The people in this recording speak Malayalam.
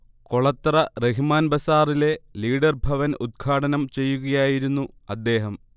കൊളത്തറ റഹിമാൻ ബസാറിലെ ലീഡർ ഭവൻ ഉദ്ഘാടനം ചെയ്യുകയായിരുന്നു അദ്ദേഹം